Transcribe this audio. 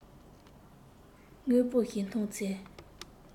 དངོས པོ ཞིག མཐོང ཚེ